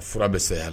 A fura bɛ saya la